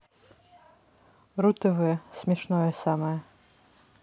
ру тв смешное самое